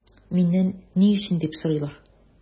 Миннән “ни өчен” дип сорыйлар.